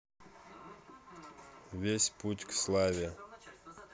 весь путь к славе